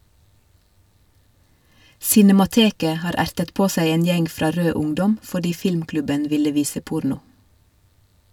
Cinemateket har ertet på seg en gjeng fra "Rød ungdom" fordi filmklubben ville vise porno.